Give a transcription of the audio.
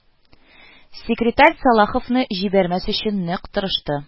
Секретарь Салаховны җибәрмәс өчен нык тырышты